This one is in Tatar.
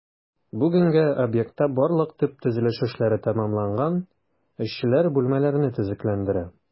Бүгенгә объектта барлык төп төзелеш эшләре тәмамланган, эшчеләр бүлмәләрне төзекләндерә.